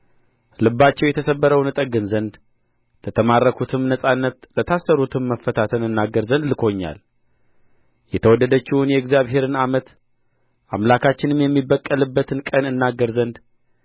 ልባቸው የተሰበረውን እጠግን ዘንድ ለተማረኩትም ነጻነትን ለታሰሩትም መፈታትን እናገር ዘንድ ልኮኛል የተወደደችውን የእግዚአብሔርን ዓመት አምላካችንም የሚበቀልበትን ቀን እናገር ዘንድ